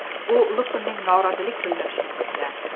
u luknning norozilik bildirishini kutgan